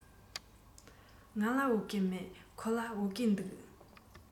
ང ལ བོད གོས མེད ཁོ ལ བོད གོས འདུག